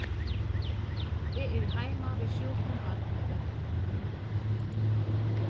eg eri heima við sjúkum barni í dag